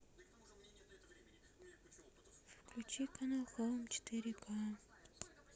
включи канал хоум четыре ка